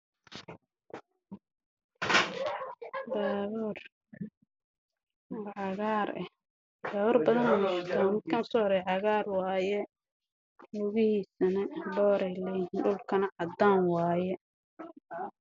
Meeshaan waxaa ka muuqdo baabuur weyn oo cagaar ah